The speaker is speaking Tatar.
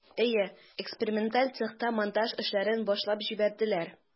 Әйе, эксперименталь цехта монтаж эшләрен башлап җибәрделәр.